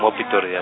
mo Pretoria.